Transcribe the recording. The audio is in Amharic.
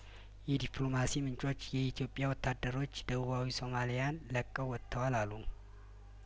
የዲፕሎማሲ ምንጮች የኢትዮጵያ ወታደሮች ደቡባዊ ሶማሊያን ለቀው ወጥተዋል አሉ